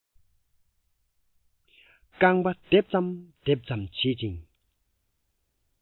རྐང པ ལྡེམ ཙམ ལྡེམ ཙམ བྱེད ཅིང